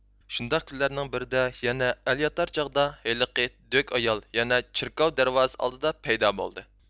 شۇنداق كۈنلەرنىڭ بىرىدە يەنە ئەل ياتار چاغدا ھېلىقى دۆك ئايال يەنە چېركاۋ دەرۋازىسى ئالدىدا پەيدا بولدى